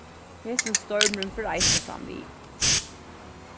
hesin stormurin fer eisini framvið